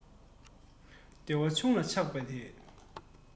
བདེ བ ཆུང ལ ཆགས པ དེས